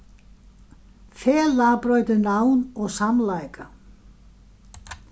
felag broytir navn og samleika